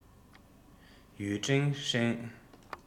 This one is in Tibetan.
ཡུས ཀྲེང ཧྲེང